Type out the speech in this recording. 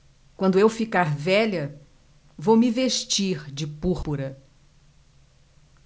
quando eu ficar velha vou me vestir de púrpura